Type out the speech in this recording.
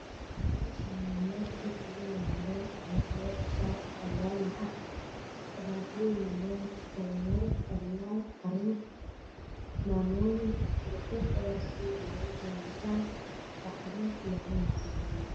Meeshaan waa meel laami ah waxaa iskugu yimaado carruur odayaal naago soomaaliyeed waxaana ka taagan calanka soomaaliyeed